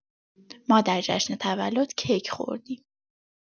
ما در جشن تولد کیک خوردیم.